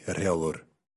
...y rheolwr.